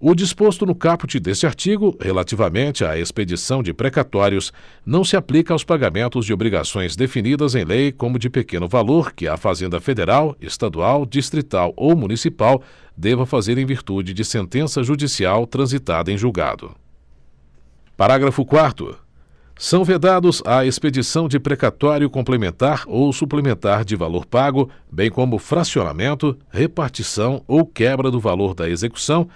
o disposto no caput deste artigo relativamente à expedição de precatórios não se aplica aos pagamentos de obrigações definidas em lei como de pequeno valor que a fazenda federal estadual distrital ou municipal deva fazer em virtude de sentença judicial transitada em julgado parágrafo quarto são vedados a expedição de precatório complementar ou suplementar de valor pago bem como fracionamento repartição ou quebra do valor da execução